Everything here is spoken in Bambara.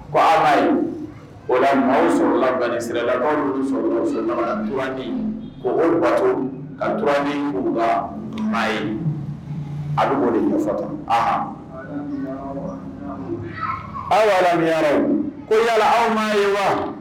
Ko ala wala maaw sɔrɔlalani sirala anw ko olu bato ka ni maa ye a' de fa aa awyan ko yala aw ma ye wa